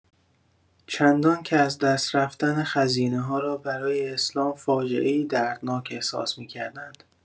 چندان که ازدست رفتن خزینه‌ها را برای اسلام فاجعه‌ای دردناک احساس می‌کردند.